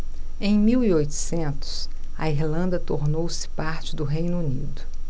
em mil e oitocentos a irlanda tornou-se parte do reino unido